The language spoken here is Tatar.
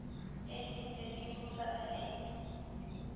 Әйт инде ни булса да әйт